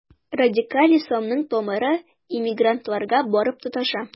Радикаль исламның тамыры иммигрантларга барып тоташа.